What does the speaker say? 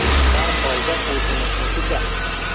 har holda o'zimizniki da